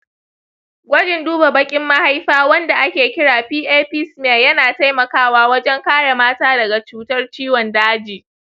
kwajin duba bakin mahaifa wanda ake kira pap smear yana taimakawa wajen kare mata daga cutar ciwon daji.